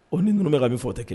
U ni ninnu bɛ k a bɛ fɔ o tɛ kelen